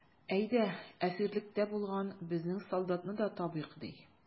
Әйдә, әсирлектә булган безнең солдатны да табыйк, ди.